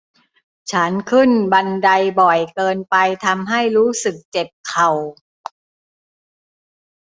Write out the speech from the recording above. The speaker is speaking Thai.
ฉันขึ้นบันไดบ่อยเกินไปทำให้รู้สึกเจ็บเข่า